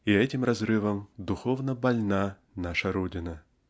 и этим разрывом Духовно больна наша родина.